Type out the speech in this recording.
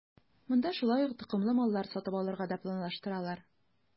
Монда шулай ук токымлы маллар сатып алырга да планлаштыралар.